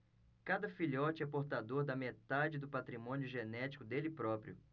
cada filhote é portador da metade do patrimônio genético dele próprio